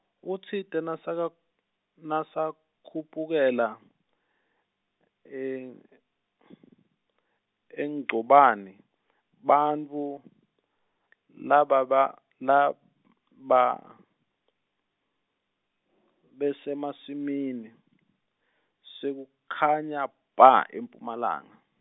utsite nasakha- nasakhuphukela eMgcobaneni bantfu lababa- lababesemasimini sekukhanya bha emphumalanga.